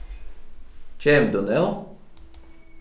kemur tú nú